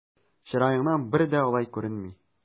Чыраеңнан бер дә алай күренми!